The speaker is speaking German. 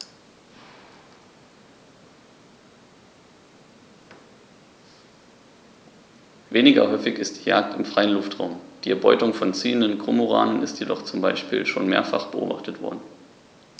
Weniger häufig ist die Jagd im freien Luftraum; die Erbeutung von ziehenden Kormoranen ist jedoch zum Beispiel schon mehrfach beobachtet worden.